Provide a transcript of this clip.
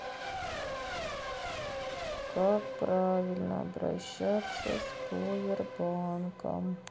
как правильно обращаться с повер банком